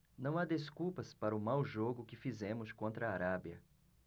não há desculpas para o mau jogo que fizemos contra a arábia